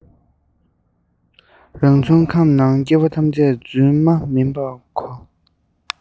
རང བྱུང ཁམས ནང སྐྱེས པ ཐམས ཅད རྫུན མ མིན པར གོ